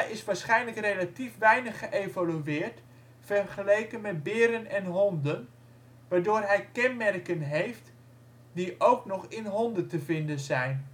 is waarschijnlijk relatief weinig geëvolueerd vergeleken met beren en honden, waardoor hij kenmerken heeft die ook nog in honden te vinden zijn